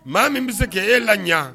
Maa min bɛ se k e la ɲɛ